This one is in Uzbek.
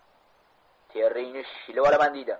teringni shilib olaman deydi